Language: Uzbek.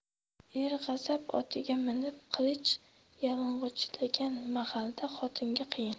er g'azab otiga minib qilich yalang'ochlagan mahalda xotinga qiyin